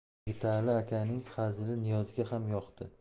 yigitali akaning hazili niyozga ham yoqdi